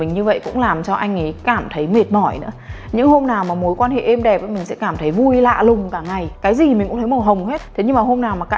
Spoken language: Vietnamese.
như vậy cũng làm cho anh ấy cảm thấy mệt mỏi nữa nếu hôm nào mà mối quan hệ êm đẹp thì mình cảm thấy vui lạ lùng cả ngày cái gì mình cũng thấy màu hồng hết thế nhưng mà hôm nào cãi nhau